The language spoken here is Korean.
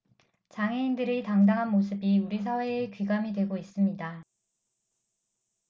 장애인들의 당당한 모습이 우리 사회의 귀감이 되고 있습니다